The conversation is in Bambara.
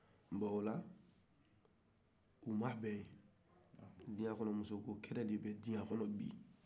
bon ola u ma bɛ diɲa kɔnɔ musoko kɛlɛ de bɛ diɲa kɔnɔ bi